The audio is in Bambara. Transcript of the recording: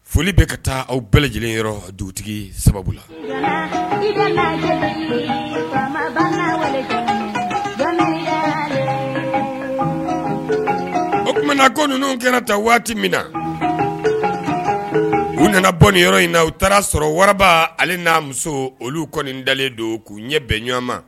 Foli bɛ ka taa aw bɛɛ lajɛlen yɔrɔ dugutigi sababu la o tumaumana ko ninnu kɛra ta waati min na u nana bɔ nin yɔrɔ in na u taara sɔrɔ waraba hali n'a muso olu kɔni dalen don k'u ɲɛ bɛn ɲɔgɔn ma